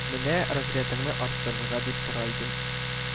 Менә разрятыңны арттырырга дип тора идем